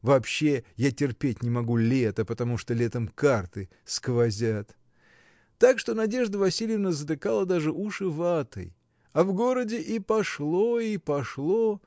Вообще я терпеть не могу лета, потому что летом карты сквозят), так что Надежда Васильевна затыкала даже уши ватой. А в городе и пошло, и пошло!